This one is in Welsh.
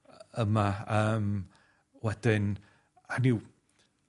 yma yym wedyn, hynny yw